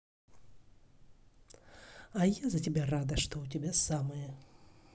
а я за тебя рада что у тебя самое